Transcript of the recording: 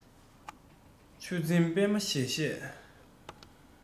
ཆུ འཛིན པད མ བཞད བཞད